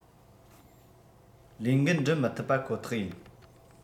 ལས འགན འགྲུབ མི ཐུབ པ ཁོ ཐག ཡིན